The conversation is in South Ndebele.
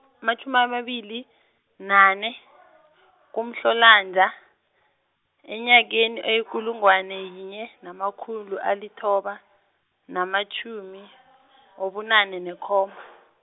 matjhumi amabili, nane, kuMhlolanja, enyakeni eyikulungwana yinye, namakhulu alithoba, namatjhumi , wobunane nekhom-.